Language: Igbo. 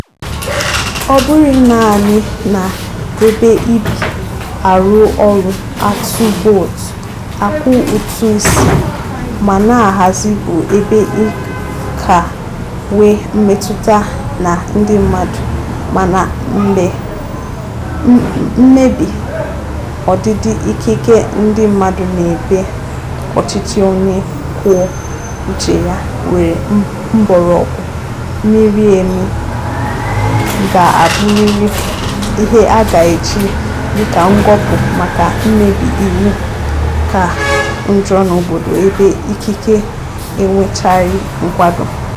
Ọ bụghị naanị na ebe i bi, arụ ọrụ, atụ vootu, akwụ ụtụ isi ma na-ahazi bụ ebe ị ka nwee mmetụta na ndị mmadụ, mana mmebi ọdịdị ikike ndị mmadụ n'ebe ọchịchị onye kwuo uche ya nwere mgbọrọgwụ miri emi ga-abụrịrị ihe a ga-eji dịka ngọpụ maka mmebi iwu ka njọ n'obodo ebe ikike enwechaghị nkwado.